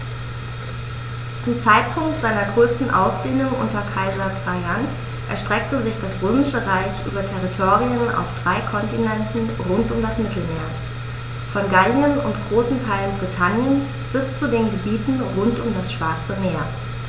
Zum Zeitpunkt seiner größten Ausdehnung unter Kaiser Trajan erstreckte sich das Römische Reich über Territorien auf drei Kontinenten rund um das Mittelmeer: Von Gallien und großen Teilen Britanniens bis zu den Gebieten rund um das Schwarze Meer.